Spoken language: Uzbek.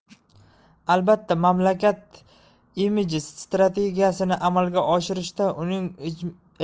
albatta mamlakat imiji strategiyasini amalga oshirishda uning